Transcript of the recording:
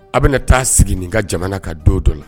A bɛna taa sigi nin ka jamana ka don dɔ la